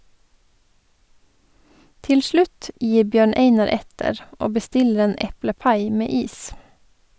Til slutt gir Bjørn Einar etter og bestiller en eplepai med is.